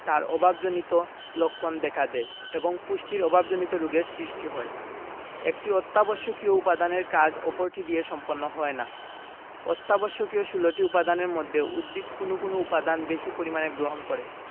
তার অভাবজনিত লক্ষণ দেখা দেয় এবং পুষ্টির অভাবজনিত রোগের সৃষ্টি হয় একটি অত্যাবশ্যকীয় উপাদানের কাজ অপরটি দিয়ে সম্পন্ন হয় না অত্যাবশ্যকীয় ১৬ টি উপাদানের মধ্যে উদ্ভিদ কোনো কোনো উপাদান বেশি পরিমাণে গ্রহণ করে